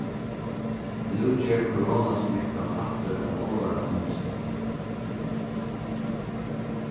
nú ger koronasmittan aftur av álvara um seg